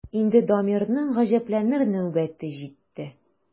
Инде Дамирның гаҗәпләнер нәүбәте җитте.